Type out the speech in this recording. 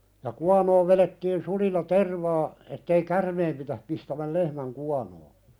ja kuonoon vedettiin sulilla tervaa että ei käärmeen pidä pistämän lehmän kuonoa